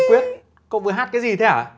quyết cậu vừa hát cái gì thế hả